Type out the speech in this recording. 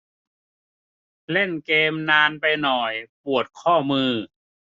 เล่นเกมส์นานไปหน่อยปวดข้อมือ